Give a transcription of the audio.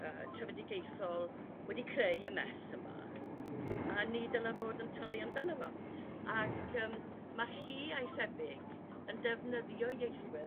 yrr trefedigaethol wedi creu y mess yma a ni dyla' fod yn talu amdano fo ac yrm ma' hi a'i thebyg yn defnyddio ieithwedd